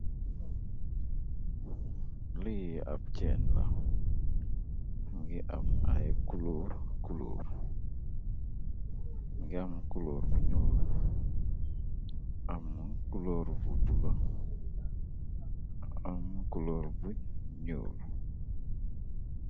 Lii ab ceen la, mu ngi am ay kuloor kuloor, mu ngi am kuloor bu ñuul am kuloor bu bulo, am kuloor bu ñuul.